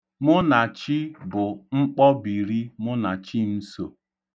Mụnachi bụ mkpọbiri Mụnachimso.